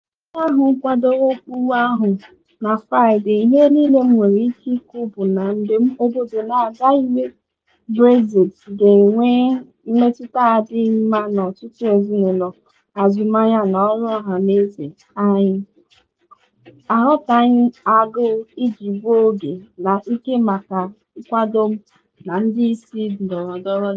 Maka ndị ahụ kwadoro ụkpụrụ ahụ na Fraịde, ihe niile m nwere ike ikwu bụ na mgbe obodo na aga ịnwe Brexit ga-enwe mmetụta adịghị mma n’ọtụtụ ezinụlọ, azụmahịa na ọrụ ọhaneze anyị, aghọtaghị m agụụ iji gbuo oge na ike maka nkwado m na ndị isi ndọrọndọrọ Labour.